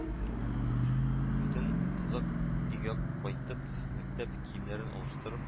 Бөтен кызык өйгә кайтып, мәктәп киемнәрен алыштырып